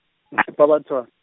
Barberton.